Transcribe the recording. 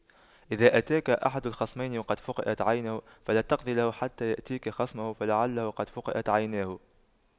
إذا أتاك أحد الخصمين وقد فُقِئَتْ عينه فلا تقض له حتى يأتيك خصمه فلعله قد فُقِئَتْ عيناه